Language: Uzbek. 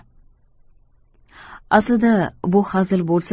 aslida bu hazil bo'lsa da